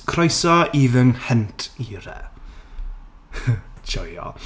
Croeso i fy nghynt era. Joio.